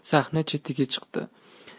sahna chetiga chiqdi